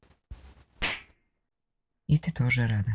и ты тоже рада